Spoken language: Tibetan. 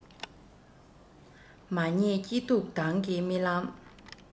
མ ངེས སྐྱིད སྡུག མདང གི རྨི ལམ